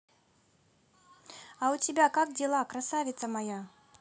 а у тебя как дела красавица моя